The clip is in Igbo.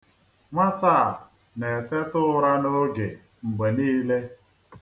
Nwata a na-eteta ụra n'oge mgbe niile.